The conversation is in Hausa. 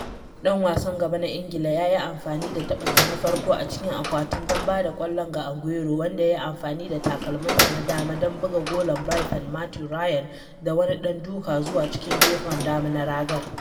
Ɗan wasan gaba na Ingilan ya yi amfani da tabinsa na farko a cikin akwatin don ba da ƙwallo ga Aguero, wanda ya yi amfani da takalminsa na dama don bugan golan Brighton Mathew Ryan da wani ɗan duka zuwa cikin gefen dama na ragar.